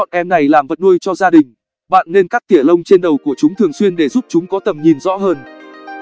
nếu chọn em này làm vật nuôi cho gia đình bạn nên cắt tỉa lông trên đầu của chúng thường xuyên để giúp chúng có tầm nhìn rõ hơn